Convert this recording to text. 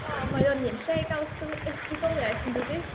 So mae o'n un lle i gael ysdil- ysbrydoliaeth yn dydy?